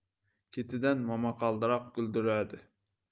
ketidan momaqaldiroq gulduradi